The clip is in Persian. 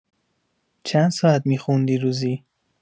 چند ساعت می‌خوندی روزی؟